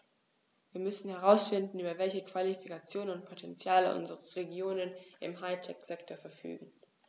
Wir müssen herausfinden, über welche Qualifikationen und Potentiale unsere Regionen im High-Tech-Sektor verfügen.